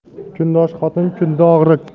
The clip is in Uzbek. kundosh xotin kunda og'riq